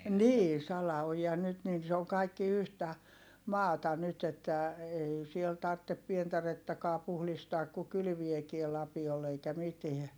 niin salaojia nyt niin se on kaikki yhtä maata nyt että ei siellä tarvitse pientarettakaan puhdistaa kun kylvääkin lapiolla eikä mitään